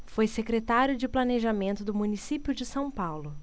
foi secretário de planejamento do município de são paulo